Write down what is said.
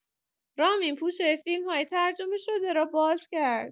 رامین پوشۀ فیلم‌های ترجمه شده را باز کرد.